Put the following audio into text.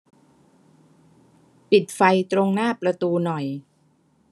ปิดไฟตรงหน้าประตูหน่อย